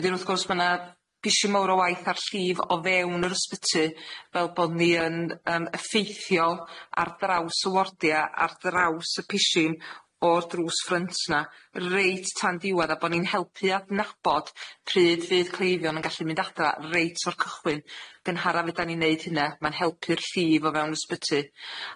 Wedyn wrth gwrs ma' 'na pishyn mowr o waith a'r llif o fewn yr ysbyty fel bod ni yn yym effeithiol ar draws y wardia ar draws y pishyn o'r drws ffrynt 'na, reit tan diwadd a bo' ni'n helpu adnabod pryd fydd cleifion yn gallu mynd adra, reit o'r cychwyn gynhara fedra ni'n neud hunna ma'n helpu'r llif o fewn ysbyty.